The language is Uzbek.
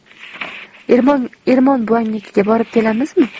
ermon buvangnikiga borib kelamizmi